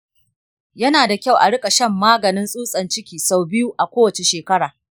yana da kyau a riƙa shan maganin tsutsan ciki sau biyu a kowace shekara.